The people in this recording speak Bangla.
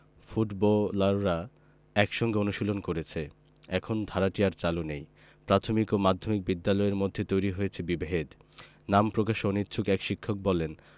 ফুটবলাররা একসঙ্গে অনুশীলন করেছে এখন ধারাটি আর চালু নেই প্রাথমিক ও মাধ্যমিক বিদ্যালয়ের মধ্যে তৈরি হয়েছে বিভেদ নাম প্রকাশে অনিচ্ছুক এক শিক্ষক বলেন